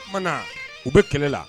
Oumana na u bɛ kɛlɛ la